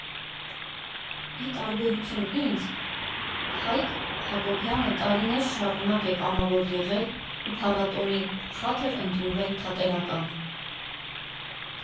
Ի տարբերություն ինձ՝ Հայկ Հակոբյանը տարիներ շարունակ է կամավոր եղել ու փառատոնի խաթր ընդունվել Թատերական։